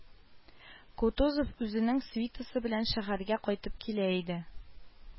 Кутузов үзенең свитасы белән шәһәргә кайтып килә иде